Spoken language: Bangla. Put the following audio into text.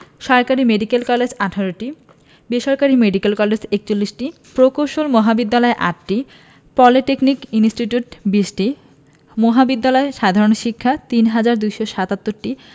সরকারি মেডিকেল কলেজ ১৮টি বেসরকারি মেডিকেল কলেজ ৪১টি প্রকৌশল মহাবিদ্যালয় ৮টি পলিটেকনিক ইনস্টিটিউট ২০টি মহাবিদ্যালয় সাধারণ শিক্ষা ৩হাজার ২৭৭টি